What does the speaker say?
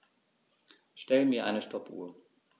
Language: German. Stell mir eine Stoppuhr.